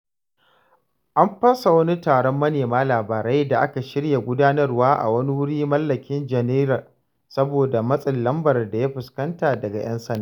An fasa wani taron manema labarai da aka shirya gudanarwa a wani wuri mallakin Janeer saboda matsin lambar da ya fuskanta daga 'yan sanda.